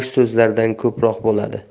so'zlardan ko'proq bo'ladi